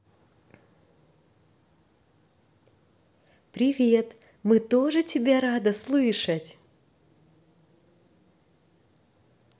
привет мы тоже тебя рада слышать